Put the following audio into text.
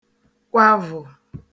kwavụ̀